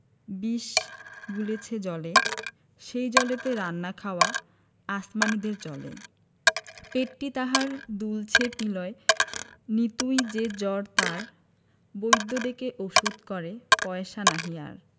বিষ গুলেছে জলে সেই জলেতে রান্না খাওয়া আসমানীদের চলে পেটটি তাহার দুলছে পিলয় নিতুই যে জ্বর তার বৈদ্য ডেকে ওষুধ করে পয়সা নাহি আর